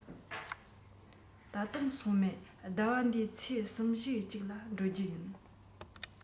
ད དུང སོང མེད ཟླ བ འདིའི ཚེས གསུམ བཞིའི གཅིག ལ འགྲོ རྒྱུུ ཡིན